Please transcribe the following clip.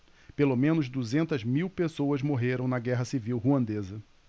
pelo menos duzentas mil pessoas morreram na guerra civil ruandesa